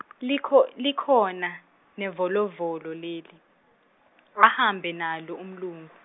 likh- likhona, nevolovolo leli, ahambe nalo umlungu.